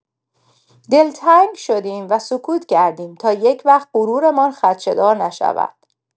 دلتنگ شدیم و سکوت کردیم تا یکوقت غرورمان خدشه‌دار نشود.